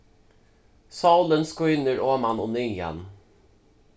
sólin skínur oman og niðan